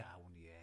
Iawn, ie.